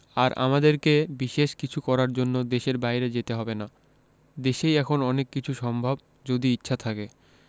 আর আমাদেরকে বিশেষ কিছু করার জন্য দেশের বাইরে যেতে হবে না দেশেই এখন অনেক কিছু সম্ভব যদি ইচ্ছা থাকে